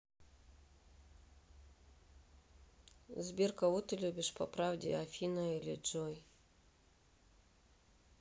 сбер кого ты любишь по правде афина или джой